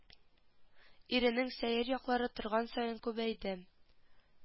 Иренең сәер яклары торган саен күбәйде